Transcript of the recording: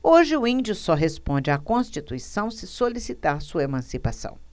hoje o índio só responde à constituição se solicitar sua emancipação